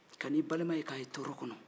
kan'i balima ye k'a ye tɔɔrɔ kɔnɔ